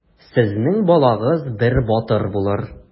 Сезнең балагыз бер батыр булыр.